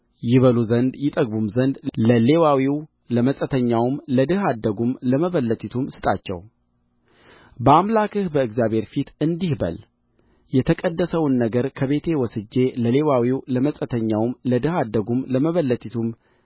ይበሉ ዘንድ ይጠግቡም ዘንድ ለሌዋዊው ለመጻተኛውም ለድሀ አደጉም ለመበለቲቱም ስጣቸው በአምላክህ በእግዚአብሔር ፊት እንዲህ በል የተቀደሰውን ነገር ከቤቴ ወስጄ ለሌዋዊው ለመጻተኛውም ለድሀ አደጉም ለመበለቲቱም